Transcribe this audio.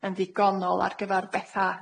yn ddigonol ar gyfar betha.